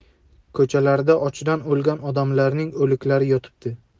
ko'chalarda ochdan o'lgan odamlarning o'liklari yotibdi